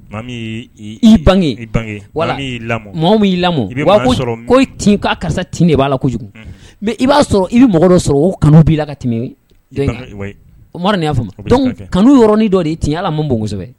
Bange'i lamɔ b'a karisa de b'a la kojugu mɛ i b'a sɔrɔ i bɛ mɔgɔ dɔ sɔrɔ o kanu b'i la ka tɛmɛ o y'a kanuɔrɔnin dɔ de t ala mun bosɛbɛ